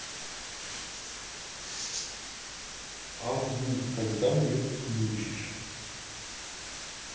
а звук когда мне включишь